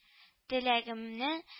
Теләгемне